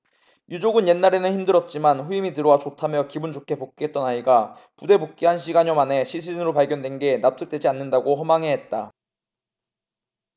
유족은 옛날에는 힘들었지만 후임이 들어와 좋다며 기분 좋게 복귀했던 아이가 부대 복귀 한 시간여 만에 시신으로 발견된 게 납득되지 않는다고 허망해 했다